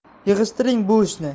yig'ishtiring bu ishni